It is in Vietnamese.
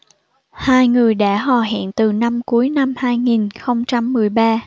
hai người đã hò hẹn từ năm cuối năm hai nghìn không trăm mười ba